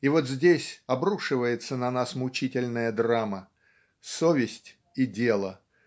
и вот здесь обрушивается на нас мучительная драма совесть и дело